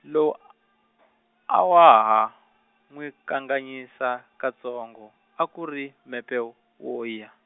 low- a wa ha, n'wi kanganyisa, katsongo, a ku ri mepe, wo ya.